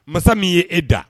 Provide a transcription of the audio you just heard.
Masa min y yee da